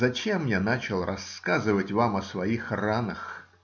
Зачем я начал рассказывать вам о своих ранах?